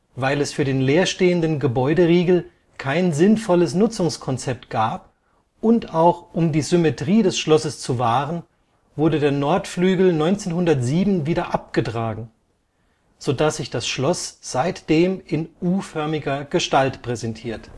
Weil es für den leerstehenden Gebäuderiegel kein sinnvolles Nutzungskonzept gab und auch um die Symmetrie des Schlosses zu wahren, wurde der Nordflügel 1907 wieder abgetragen, sodass sich das Schloss seitdem in U-förmiger Gestalt präsentiert